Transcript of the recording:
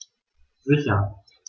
Sicher.